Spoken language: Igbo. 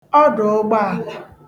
ọdụ̀ụgbọàlà